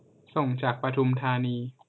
ส่งจากปทุมธานี